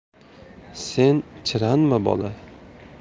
sen chiranma bola